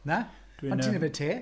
Na... Dwi'n yym. ...Ond ti'n yfed te.